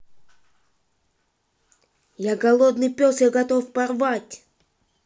я голодный пес я готов порвать